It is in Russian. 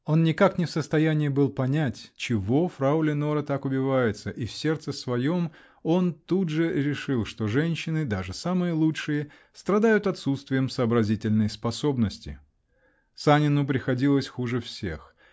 Он никак не в состоянии был понять, чего фрау Леноре так убивается, и в сердце своем он тут же решил, что женщины, даже самые лучшие, страдают отсутствием сообразительной способности! Санину приходилось хуже всех.